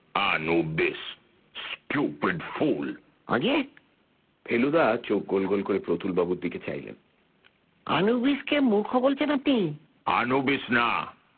Anubis stupid fool আজ্ঞে ফেলুদা চোখ গোল গোল করে প্রতুলবাবুর দিকে চাইলেন আনুবিসকে মূখ বলছেন আপনি আনুবিস না